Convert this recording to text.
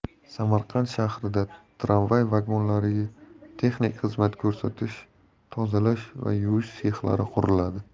samarqand shahrida tramvay vagonlariga texnik xizmat ko'rsatish tozalash va yuvish sexlari quriladi